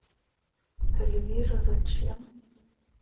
эльвира зачем